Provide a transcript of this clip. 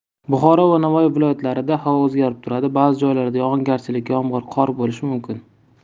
buxoro va navoiy viloyatlarida havo o'zgarib turadi ba'zi joylarda yog'ingarchilik yomg'ir qor bo'lishi mumkin